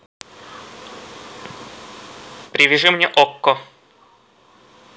привяжи мне okko